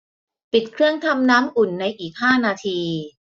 ปิดเครื่องทำน้ำอุ่นในอีกห้านาที